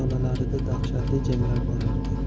ostonalarida dahshatli janglar borardi